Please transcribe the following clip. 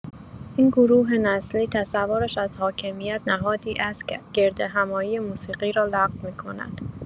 این گروه نسلی، تصورش از حاکمیت، نهادی است که گردهم‌آیی موسیقی را لغو می‌کند.